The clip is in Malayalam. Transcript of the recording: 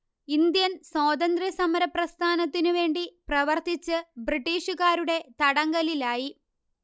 ഇന്ത്യൻ സ്വാതന്ത്ര്യ സമരപ്രസ്ഥാനത്തിനു വേണ്ടി പ്രവർത്തിച്ച് ബ്രിട്ടീഷുകാരുടെ തടങ്കലിലായി